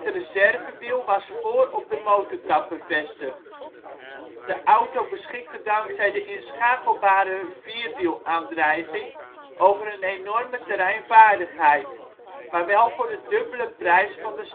reservewiel was voor op de motorkap bevestigd. De auto beschikte dankzij de inschakelbare vierwielaandrijving over een enorme terreinvaardigheid, maar wel voor de dubbele prijs van de